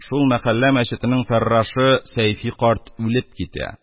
Шул мәхәллә мәчетенең фәррашы сәйфи карт үлеп китә,